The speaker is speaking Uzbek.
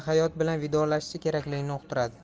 hayot bilan vidolashishi kerakligini uqtiradi